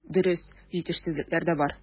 Дөрес, җитешсезлекләр дә бар.